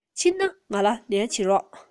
ཕྱིན ན ང ལ ལན བྱིན རོགས